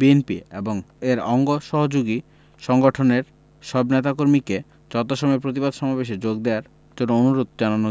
BNP এবং এর অঙ্গ সহযোগী সংগঠনের সব নেতাকর্মীকে যথাসময়ে প্রতিবাদ সমাবেশে যোগ দেয়ার জন্য অনুরোধ জানান